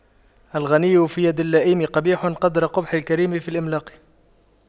الغنى في يد اللئيم قبيح قدر قبح الكريم في الإملاق